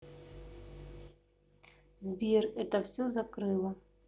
сбер это все закрыла